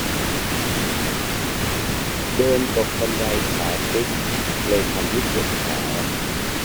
เดินตกบันไดขาพลิกเลยทำให้เจ็บขา